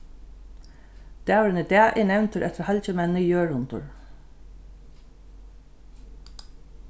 dagurin í dag er nevndur eftir halgimenninum jørundur